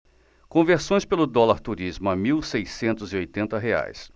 conversões pelo dólar turismo a mil seiscentos e oitenta reais